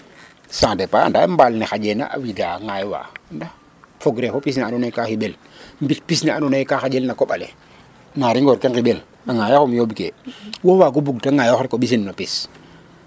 Saa dépend ande mbaal ne xaƴena a wida a ŋaaywa ndaax fogree fo pis na andoona ye ka xiɓel mbit pis na andoona yee ka xaƴel na koƥ ale naar ngoor ke nqiɓel a ŋaayooxum yooɓkee wo waagu bug ta ŋaayoox rek o ɓisin no pis.